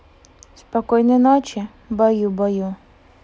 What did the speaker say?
спокойной ночи баю баю